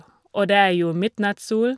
Og det er jo midnattssol.